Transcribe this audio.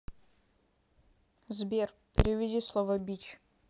сбер переведи слово бич